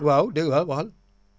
waaw dégg waaw waxal